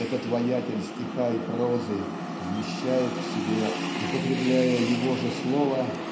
этот ваятель стиха и прозы вмещает в себе употребляя его же слово